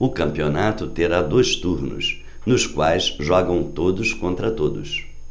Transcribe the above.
o campeonato terá dois turnos nos quais jogam todos contra todos